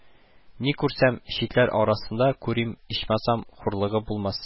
– ни күрсәм, читләр арасында күрим, ичмасам, хурлыгы булмас